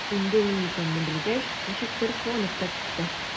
Инде мин икәнне белгәч, ничектер куанып та китте.